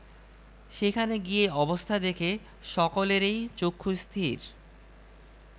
পক্ষান্তরে জ্ঞানচর্চার ফল সঞ্চিত থাকে পুস্তকরাজিতে এবং সে ফল ধনীদের হাতে গায়ে পড়ে তুলে ধরলেও তারা তার ব্যবহার করতে জানে না বই পড়তে পারে না